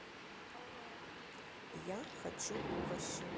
я хочу овощи